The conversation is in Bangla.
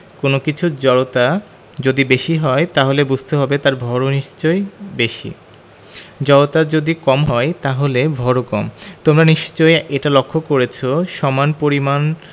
কোনো কিছুর জড়তা যদি বেশি হয় তাহলে বুঝতে হবে তার ভরও নিশ্চয়ই বেশি জড়তা যদি কম হয় তাহলে ভরও কম তোমরা নিশ্চয়ই এটা লক্ষ করেছ সমান পরিমাণ